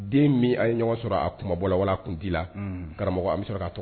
Den min a ye ɲɔgɔn sɔrɔ a kumabɔ la wala tun t' la karamɔgɔ an bɛ sɔrɔ ka tɔgɔ